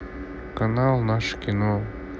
канал наше кино